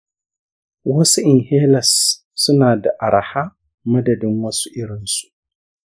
wasu inhalers suna da araha madadin wasu irinsu.